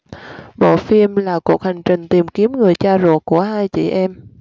bộ phim là cuộc hành trình tìm kiếm người cha ruột của hai chị em